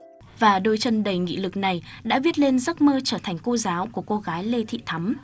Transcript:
và đôi chân đầy nghị lực này đã viết lên giấc mơ trở thành cô giáo của cô gái lê thị thắm